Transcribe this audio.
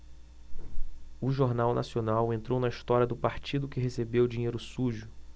o jornal nacional entrou na história do partido que recebeu dinheiro sujo